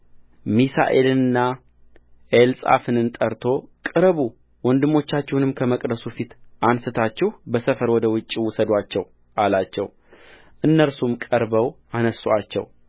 ሚሳኤልንና ኤልጻፋንን ጠርቶ ቅረቡ ወንድሞቻችሁንም ከመቅደሱ ፊት አንሥታችሁ ከሰፈር ወደ ውጭ ውሰዱአቸው አላቸውእነርሱም ቀርበው አነሡአቸው